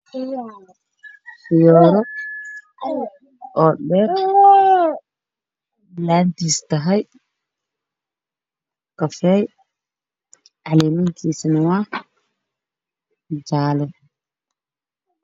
Halkaan waxaa ka muuqdo geed caleemihiisa jaalo yihiin